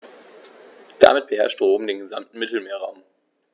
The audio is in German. Damit beherrschte Rom den gesamten Mittelmeerraum.